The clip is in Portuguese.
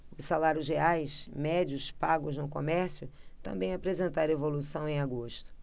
os salários reais médios pagos no comércio também apresentaram evolução em agosto